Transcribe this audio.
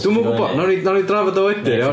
Dwi'm yn gwbod wnawn ni wnawn ni drafod o wedyn iawn.